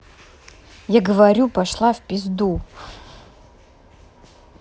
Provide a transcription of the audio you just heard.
я говорю пошла в пизду